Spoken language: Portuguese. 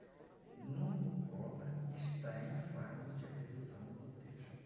nuno cobra está em fase de revisão do texto